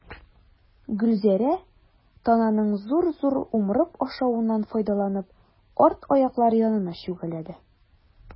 Гөлзәрә, тананың зур-зур умырып ашавыннан файдаланып, арт аяклары янына чүгәләде.